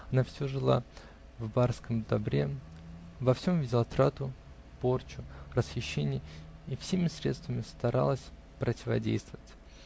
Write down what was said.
Она вся жила в барском добре, во всем видела трату, порчу, расхищение и всеми средствами старалась противодействовать.